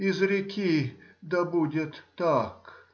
Изреки: Да будет так.